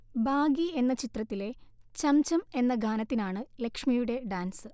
'baggy' എന്ന ചിത്രത്തിലെ 'ഛംഛം' എന്ന ഗാനത്തിനാണു ലക്ഷ്മിയുടെ ഡാൻസ്